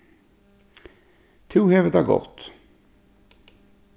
tú hevur tað gott